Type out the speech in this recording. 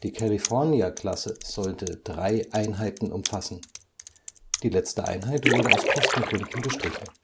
California-Klasse sollte drei Einheiten umfassen, die letzte Einheit wurde aus Kostengründen gestrichen